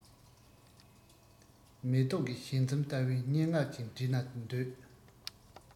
མེ ཏོག གི བཞད འཛུམ ལྟ བུའི སྙན ངག ཅིག འབྲི ན འདོད